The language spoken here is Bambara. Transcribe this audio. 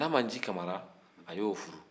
namanji kamara a y'o furu